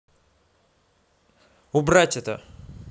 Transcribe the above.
убрать это